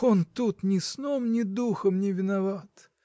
Он тут ни сном ни духом не виноват.